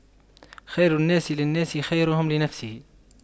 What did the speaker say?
خير الناس للناس خيرهم لنفسه